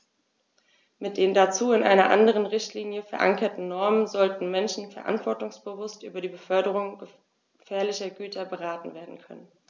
Mit den dazu in einer anderen Richtlinie, verankerten Normen sollten Menschen verantwortungsbewusst über die Beförderung gefährlicher Güter beraten werden können.